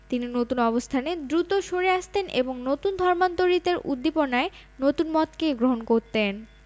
তিনি নতুন অবস্থানে দ্রুত সরে আসতেন এবং নতুন ধর্মান্তরিতের উদ্দীপনায় নতুন মতকে গ্রহণ করতেন